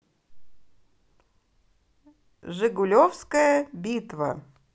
жигулевская битва